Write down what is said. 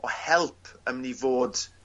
o help ym myn' i fod